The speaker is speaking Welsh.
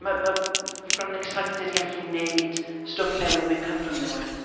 Ma- ma-, fi bron yn excited i allu wneud stwff newydd mewn cyfrwng newydd.